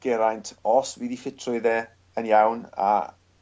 Geraint os fydd 'i ffitrwydd e yn iawn a